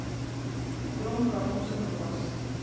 громкая музыка бас